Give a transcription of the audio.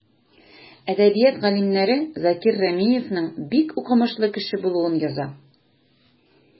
Әдәбият галимнәре Закир Рәмиевнең бик укымышлы кеше булуын яза.